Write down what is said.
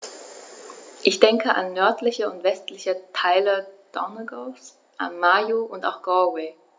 Ich denke an nördliche und westliche Teile Donegals, an Mayo, und auch Galway.